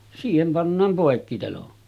siihen pannaan poikkiteloin